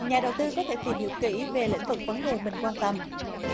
nhà đầu tư có thể tìm hiểu kỹ về lĩnh vực vấn đề mình quan tâm